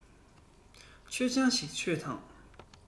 མཆོད ཆང ཞིག མཆོད དང